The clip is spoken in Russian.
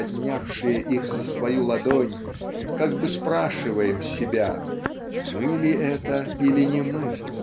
поднявшие их на свою ладонь как бы спрашиваем себя мы ли это или не мы?